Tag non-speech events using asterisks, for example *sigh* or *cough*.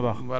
*hesitation* *hesitation*